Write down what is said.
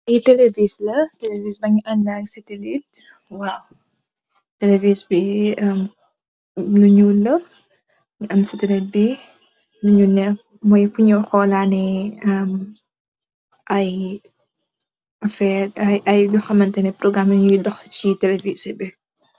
Lii televiis la, televiis bi lu ñuul la, mooy fi ñoo xalaa ne ay loo xam ne porogaram yuy dox si televiis bi.